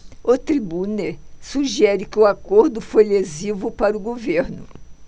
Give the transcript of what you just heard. o tribune sugere que o acordo foi lesivo para o governo